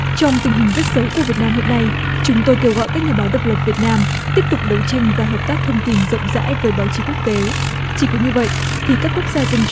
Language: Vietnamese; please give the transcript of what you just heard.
trong tình hình rất xấu của việt nam hiện nay chúng tôi kêu gọi các nhà báo độc lập việt nam tiếp tục đấu tranh và hợp tác thông tin rộng rãi với báo chí quốc tế chỉ có như vậy thì các quốc gia dân chủ